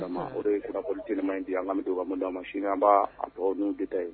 Jma di anmi to minnu d' ma sini an b'a tɔgɔ ninnu tɛta yen